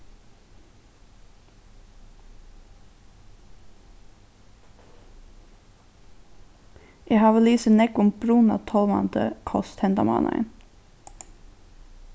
eg havi lisið nógv um brunatálmandi kost hendan mánaðin